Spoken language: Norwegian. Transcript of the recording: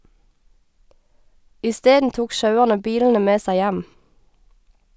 Isteden tok sjauerne bilene med seg hjem.